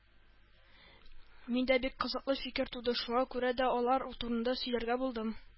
Миндә бик кызыклы фикер туды, шуңа күрә дә алар турында сөйләргә булдым